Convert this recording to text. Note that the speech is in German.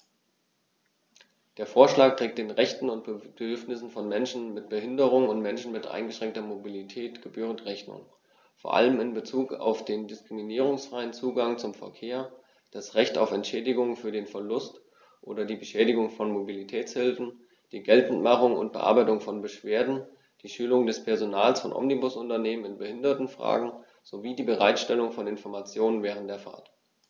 Der Vorschlag trägt den Rechten und Bedürfnissen von Menschen mit Behinderung und Menschen mit eingeschränkter Mobilität gebührend Rechnung, vor allem in Bezug auf den diskriminierungsfreien Zugang zum Verkehr, das Recht auf Entschädigung für den Verlust oder die Beschädigung von Mobilitätshilfen, die Geltendmachung und Bearbeitung von Beschwerden, die Schulung des Personals von Omnibusunternehmen in Behindertenfragen sowie die Bereitstellung von Informationen während der Fahrt.